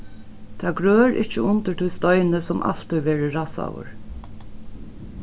tað grør ikki undir tí steini sum altíð verður rassaður